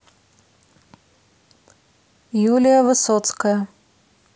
юлия высоцкая